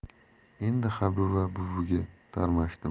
endi habiba buviga tarmashdim